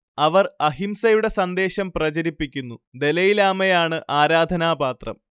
അവർ അഹിംസയുടെ സന്ദേശം പ്രചരിപ്പിക്കുന്നു ദലൈലാമയാണ് ആരാധനാപാത്രം